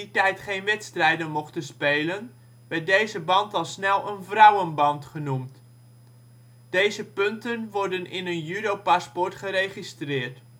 tijd geen wedstrijden mochten spelen, werd deze band al snel een ' vrouwenband ' genoemd. Deze punten worden in een judopaspoort geregistreerd. De kyu-examens